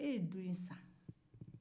e ye du in san